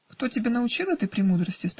-- "Кто тебя научил этой премудрости?